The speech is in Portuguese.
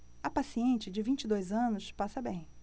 a paciente de vinte e dois anos passa bem